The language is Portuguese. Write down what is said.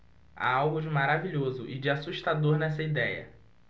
há algo de maravilhoso e de assustador nessa idéia